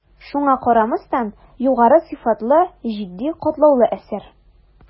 Шуңа карамастан, югары сыйфатлы, житди, катлаулы әсәр.